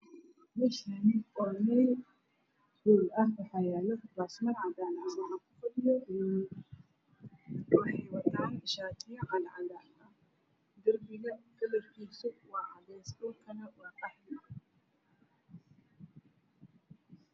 Meshani waa mel hool ah waxayalo kurasman waxa kufadhiyo wll wxey watan shatiyo cadcadan ah darbiga kalarkis waa cades dhulkan waa qaxwi